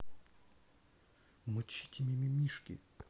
мочите мимимишки